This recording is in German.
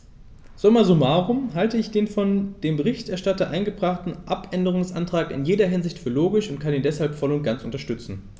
Summa summarum halte ich den von dem Berichterstatter eingebrachten Abänderungsantrag in jeder Hinsicht für logisch und kann ihn deshalb voll und ganz unterstützen.